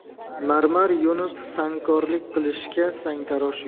marmar yo'nib sangkorlik qilishga sangtarosh yo'q